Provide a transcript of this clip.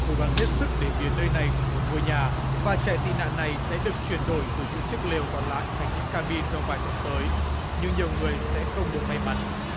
cố gắng hết sức để biến nơi này thành một ngôi nhà và trại tị nạn này sẽ được chuyển đổi từ những chiếc lều còn lại thành những ca bin trong vài tuần tới nhưng nhiều người sẽ không được may mắn